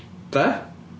Be?